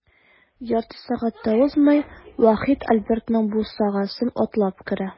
Ярты сәгать тә узмый, Вахит Альбертның бусагасын атлап керә.